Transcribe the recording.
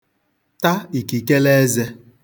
ta ìkìkeleezē